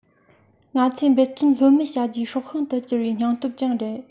ང ཚོས འབད བརྩོན ལྷོད མེད བྱ རྒྱུའི སྲོག ཤིང དུ གྱུར པའི སྙིང སྟོབས ཀྱང རེད